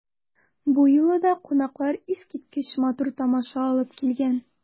Бу юлы да кунаклар искиткеч матур тамаша алып килгән.